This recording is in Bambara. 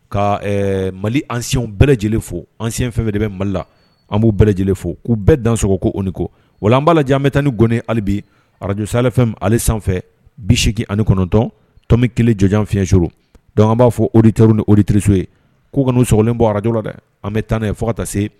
Ka mali any bɛɛ lajɛlen fo anc fɛn de bɛ mali la an b'u bɛɛ lajɛlen fo k'u bɛɛ dan sogo ko o ni ko wa an b'a lajan an bɛ tan ni gnen hali bi arazjo sa fɛn ale sanfɛ bisee ani kɔnɔntɔntɔnmi kelen jɔjan fisouru don b'a fɔ o de teriruru ni otiririso ye k' kɔni u sogoin bɔ araj dɛ an bɛ taa' ye fota se